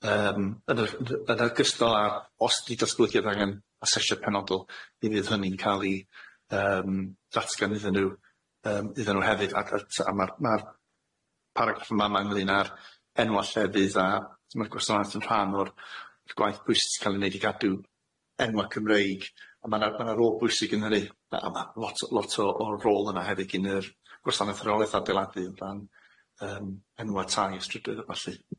Yym yn o- yn ogystal â os di datblygiad angen asesiad penodol mi fydd hynny'n ca'l i yym datgan iddyn nw yym iddyn nw hefyd ac yy t- a ma'r ma'r paragraff yma ma' ynglyn â'r enwa' llefydd a ma'r gwasanaeth yn rhan o'r gwaith pwysig sy'n ca'l i neud i gadw enwa' Cymreig, a ma' na ma' na rôl bwysig yn hynny a a ma' lot lot o o'r rôl yna hefyd gin yr gwasanaeth rheolaeth adeiladu o ran yym enwa' tai a strydoedd a ballu.